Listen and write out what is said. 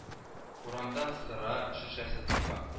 Урамда сыра шешәсе тоткан